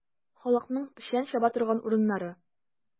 Халыкның печән чаба торган урыннары.